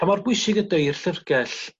pa mor bwysig ydi i'r llyfrgell